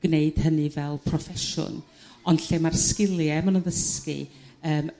g'neud hynny fel proffesiwn ond lle ma'r sgilie ma'n addysgu yrm